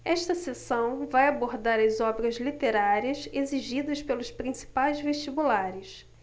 esta seção vai abordar as obras literárias exigidas pelos principais vestibulares